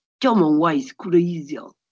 Dio'm yn waith gwreiddiol.